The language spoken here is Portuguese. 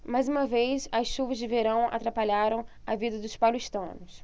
mais uma vez as chuvas de verão atrapalharam a vida dos paulistanos